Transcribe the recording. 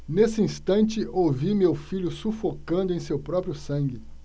nesse instante ouvi meu filho sufocando em seu próprio sangue